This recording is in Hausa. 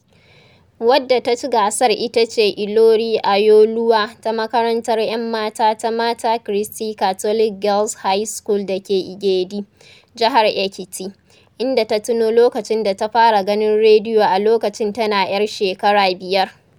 Wadda ta ci gasar ita ce Ìlọ̀rí Ayọ̀olúwa ta makarantar 'yan mata ta Mater Christi Catholic Girls' High School da ke Igede, Jihar Ekiti, inda ta tuno lokacin da ta fara ganin rediyo a lokacin tana 'yar shekara 5: